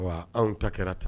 Waa anw ta kɛra tan